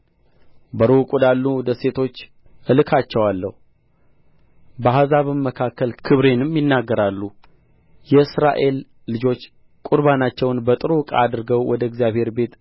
በሩቅ ወዳሉ ደሴቶች እልካቸዋለሁ በአሕዛብም መካከል ክብሬንም ይናገራሉ የእስራኤል ልጆች ቍርባናቸውን በጥሩ ዕቃ አድርገው ወደ እግዚአብሔር ቤት